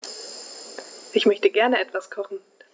Ich möchte gerne etwas kochen.